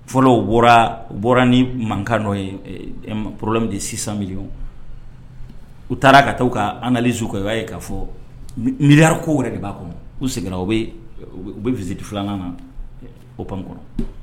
Fɔlɔ bɔra bɔra ni mankan ye porola min de sisan mi u taara ka taa u'an kaz u y'a ye k'a fɔ mi ko wɛrɛ de b'a kɔnɔ u seginna bɛ u bɛ misidi filanan na okɔrɔ